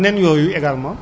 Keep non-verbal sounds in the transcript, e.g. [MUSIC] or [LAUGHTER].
[HESITATION] [HESITATION]